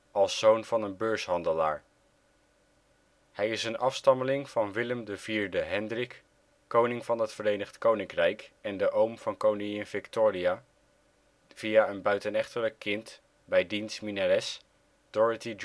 als zoon van een beurshandelaar. Hij is een afstammeling van Willem IV Hendrik, koning van het Verenigd Koninkrijk en de oom van koningin Victoria, via een buitenechtelijk kind bij diens minnares Dorothy